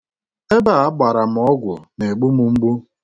Ebe a gbara m ọgwụ na-egbu m mgbu.